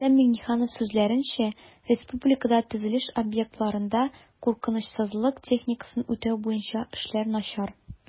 Рөстәм Миңнеханов сүзләренчә, республикада төзелеш объектларында куркынычсызлык техникасын үтәү буенча эшләр начар